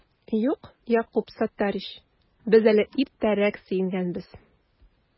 Юк, Якуб Саттарич, без әле иртәрәк сөенгәнбез